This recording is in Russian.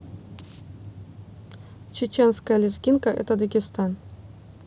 чеченская лезгинка это дагестан